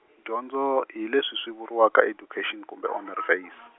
dyondzo hi leswi swi vuriwaka education kumbe onderwys.